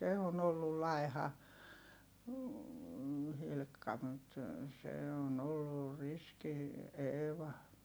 se on ollut laiha Hilkka mutta se on ollut riski Eeva